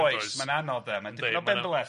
Oes, ma'n anodd de, ma'n dipyn o benbleth.